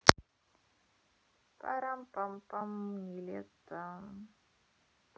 парам пам пам нилетто